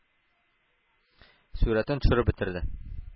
Сурәтен төшереп бетерде...